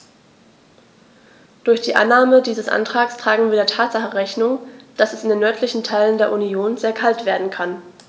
Durch die Annahme dieses Antrags tragen wir der Tatsache Rechnung, dass es in den nördlichen Teilen der Union sehr kalt werden kann.